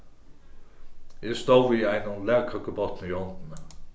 eg stóð við einum lagkøkubotni í hondini